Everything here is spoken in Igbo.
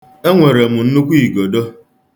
Enwere m nnukwu igodo.